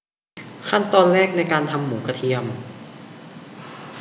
ขั้นตอนแรกในการทำหมูกระเทียม